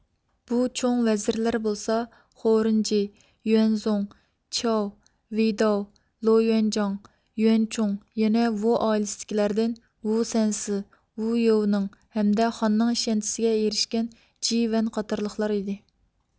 بۇ چوڭ ۋەزىرلەر بولسا خورېنجى يۇەنزۇڭ چياۋ ۋېيداۋ لو يۇەنجاڭ يۇەنچۇڭ يەنە ۋۇ ئائىلىسىدىكىلەردىن ۋۇ سەنسى ۋۇ يوۋنىڭ ھەمدە خاننىڭ ئىشەنچىسىگە ئېرىشكەن جى ۋەن قاتارلىقلار ئىدى